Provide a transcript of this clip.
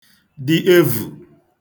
dị evù